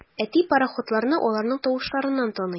Әти пароходларны аларның тавышларыннан таный.